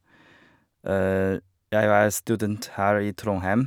Jeg er student her i Trondheim.